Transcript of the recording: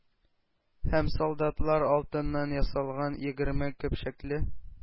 Һәм солдатлар алтыннан ясалган егерме көпчәкле